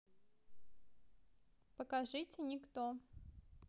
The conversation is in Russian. покажите никто